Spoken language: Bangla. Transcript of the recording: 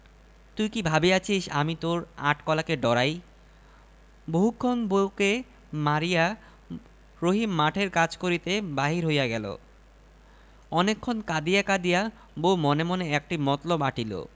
তুই কি ভাবিয়াছি আমি তোর আট কলাকে ডরাই বহুক্ষণ বউকে মারিয়া রহিম মাঠের কাজ করিতে বাহির হইয়া গেল অনেকক্ষণ কাঁদিয়া কাঁদিয়া বউ মনে মনে একটি মতলব আঁটিল